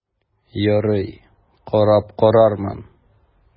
Ярый, карап карармын...